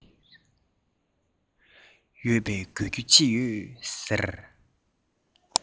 ཡོད པས དགོད རྒྱུ ཅི ཡོད ཟེར